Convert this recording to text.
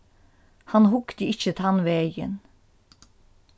hann hugdi ikki tann vegin